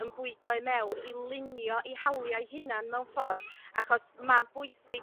yn bwydo i mewn i lunio i hawlia' i hunan mewn ffor' achos ma'n bwysig